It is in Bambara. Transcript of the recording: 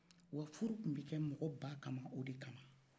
wa furu tun be kɛ ni mɔgɔ ba kama o de kama